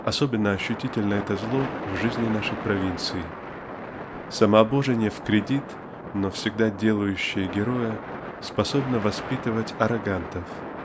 Особенно ощутительно это зло в жизни нашей провинции. Самообожение в кредит не всегда делающее героя способно воспитывать аррогантов.